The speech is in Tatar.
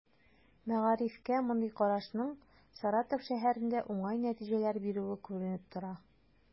Мәгарифкә мондый карашның Саратов шәһәрендә уңай нәтиҗәләр бирүе күренеп тора.